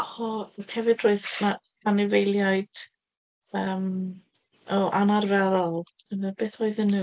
O, ond hefyd, roedd 'na anifeiliaid fferm, o, anarferol yna beth oedden nhw?